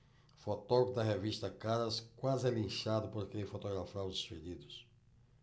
fotógrafo da revista caras quase é linchado por querer fotografar os feridos